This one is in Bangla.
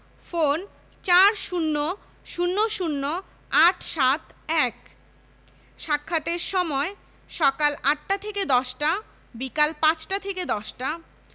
ফোনঃ ৪০০০৮৭১ সাক্ষাতের সময়ঃসকাল ৮টা থেকে ১০টা - বিকাল ৫টা থেকে ১০টা